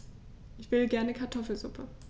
Ich will gerne Kartoffelsuppe.